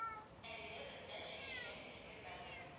Әлегә бездә җир җиләге өлгермәде,